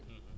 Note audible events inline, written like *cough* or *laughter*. *hesitation* *hesitation*